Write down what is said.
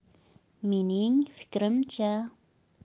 mening fikrimcha